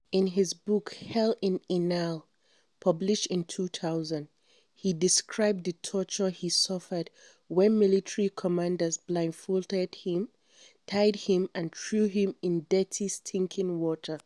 In his book “Hell in Inal“, published in 2000, he describes the torture he suffered, when military commanders blindfolded him, tied him up, and threw him in dirty, stinking water.